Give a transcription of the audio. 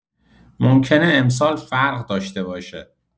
ممکنه امسال فرق داشته باشه.